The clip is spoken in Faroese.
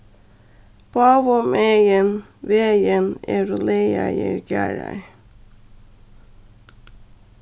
báðumegin vegin eru laðaðir garðar